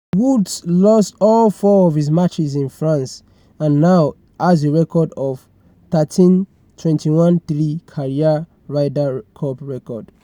Woods lost all four of his matches in France and now has a record of 13-21-3 career Ryder Cup record.